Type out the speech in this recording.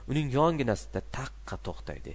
uning yonginasida taqqa to'xtaydi